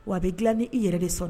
Wa bɛ dilan ni i yɛrɛ de s